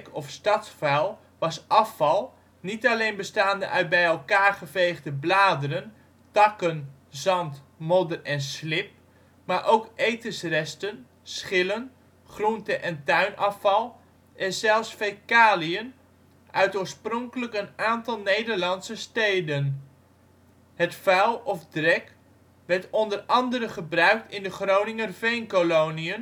of stadsvuil was afval, niet alleen bestaande uit bijelkaar geveegde bladeren, takken, zand, modder en slib, maar ook etensresten, schillen, groente - en tuinafval en zelfs fecaliën uit oorspronkelijk een aantal Nederlandse steden. Het vuil of drek werd onder andere gebruikt in de Groninger veenkoloniën